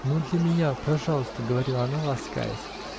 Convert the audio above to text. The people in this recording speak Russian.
-- Ну для меня, пожалуйста, -- говорила она, ласкаясь.